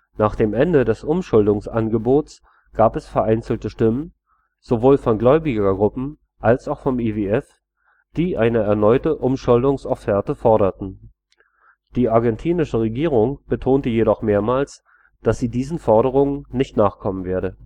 Nach dem Ende des Umschuldungsangebots gab es vereinzelte Stimmen, sowohl von Gläubigergruppen als auch vom IWF, die eine erneute Umschuldungsofferte forderten. Die argentinische Regierung betonte jedoch mehrmals, dass sie diesen Forderungen nicht nachkommen werde